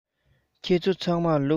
ཁྱེད ཚོ ཚང མར ལུག ཡོད རེད